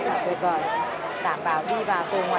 là là